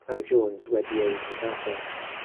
Clive Jones wedi eu cydnabod.